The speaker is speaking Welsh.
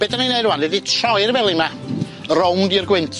Be' 'da ni'n neud rŵan ydi troi'r felin 'ma' rownd i'r gwynt.